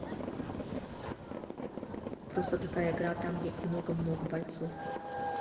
просто такая игра там есть много много бойцов